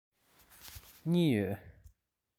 གཉིས ཡོད